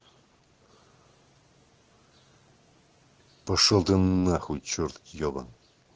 пошел ты нахуй черт ебаный